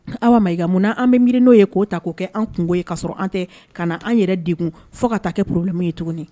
Aw ma mun an bɛ miiririn'o ye k'o ta k' kɛ an kungo ye kasɔrɔ an tɛ ka na an yɛrɛ de kun fɔ ka taa kɛ porolamu ye tuguni